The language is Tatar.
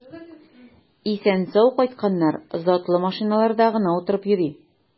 Исән-сау кайтканнар затлы машиналарда гына утырып йөри.